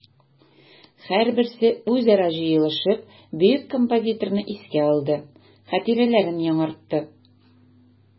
Һәрберсе үзара җыелышып бөек композиторны искә алды, хатирәләрен яңартты.